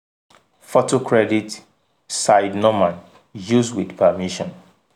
Photo credit Syed Noman. Used with permission.